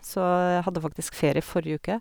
Så jeg hadde faktisk ferie forrige uke.